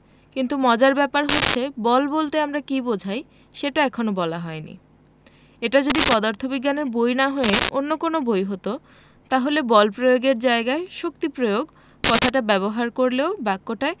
কিন্তু মজার ব্যাপার হচ্ছে বল বলতে আমরা কী বোঝাই সেটা এখনো বলা হয়নি এটা যদি পদার্থবিজ্ঞানের বই না হয়ে অন্য কোনো বই হতো তাহলে বল প্রয়োগ এর জায়গায় শক্তি প্রয়োগ কথাটা ব্যবহার করলেও বাক্যটায়